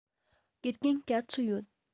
དགེ རྒན ག ཚོད ཡོད